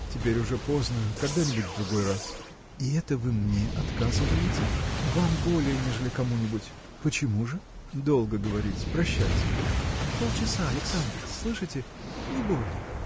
– Теперь уже поздно; когда-нибудь в другой раз. – И это вы мне отказываете? – Вам более, нежели кому-нибудь. – Почему же? – Долго говорить. Прощайте. – Полчаса, Александр, слышите? не более.